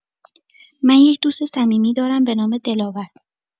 من یک دوست صمیمی دارم به نام دلاور.